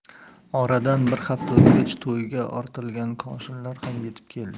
oradan bir hafta o'tgach tuyaga ortilgan koshinlar ham yetib keldi